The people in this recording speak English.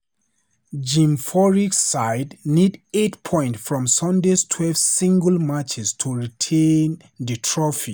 Jim Furyk's side need eight points from Sunday's 12 singles matches to retain the trophy.